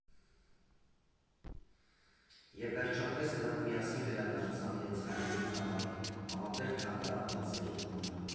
Եվ վերջապես, նրանք միասին վերադարձան իրենց հայրենի քաղաք՝ համատեղ թանգարան բացելու համար.